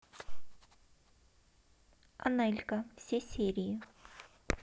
анелька все серии